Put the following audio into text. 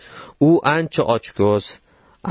u ancha ochko'z